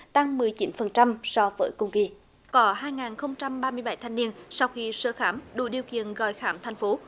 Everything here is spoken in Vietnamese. tăng mười chín phần trăm so với cùng kỳ có hai ngàn không trăm ba mươi bảy thanh niên sau khi sơ khám đủ điều kiện gọi khám thành phố